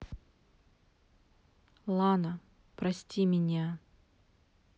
лана прости меня